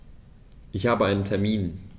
Ich habe einen Termin.